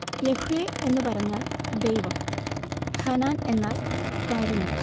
Yahweh എന്നു പറഞ്ഞാൽ ദൈവം, ഹനാൻ എന്നാൽ കാരുണ്യം